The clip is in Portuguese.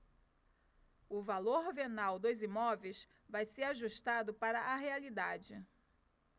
o valor venal dos imóveis vai ser ajustado para a realidade